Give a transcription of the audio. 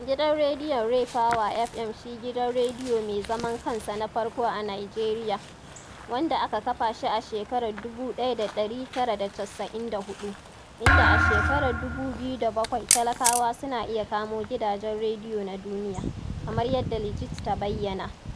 Gidan rediyon RayPower FM shi gidan Rediyo mai zaman kansa na farko a Nijeriya, wanda aka kafa shi a shekarar 1994, inda a shekarar 2007 talakawa suna iya kamo gidajen rediyo na duniya, kamar yadda Ligit ta bayyana.